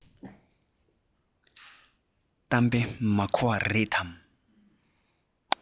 གཏམ དཔེ མ གོ བ རེད དམ